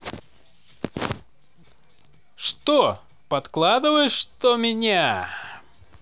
что подкалываешь что меня